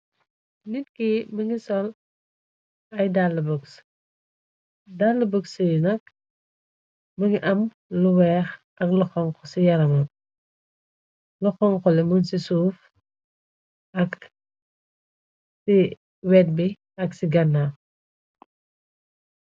Nit ki mëngi sol ay dalle bugsi, dalle bugs ci nak, mëngi am lu weex ak lu xonxu ci yaramam, lu xonxu li ming ci suuf ak ci weet bi, ak ci gannaw.